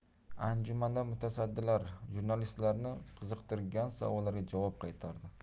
anjumanda mutasaddilar jurnalistlarni qiziqtirgan savollarga javob qaytardi